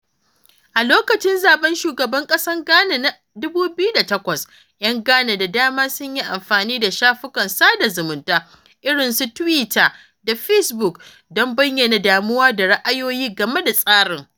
A lokacin zaɓen shugaban ƙasan Ghana na 2008, 'yan Ghana da dama sun yi amfani da shafukan sada zumunta irin su Twitter da Facebook don bayyana damuwa da ra’ayoyi game da tsarin.